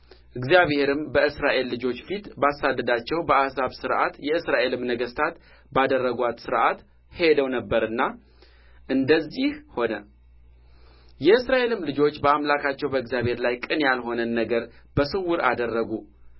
እግዚአብሔርም በእስራኤል ልጆች ፊት ባሳደዳቸው በአሕዛብ ሥርዓት የእስራኤልም ነገሥታት ባደረጓት ሥርዓት ሄደው ነበርና እንደዚህ ሆነ የእስራኤልም ልጆች በአምላካቸው በእግዚአብሔር ላይ ቅን ያልሆነን ንገር በስውር አደረጉ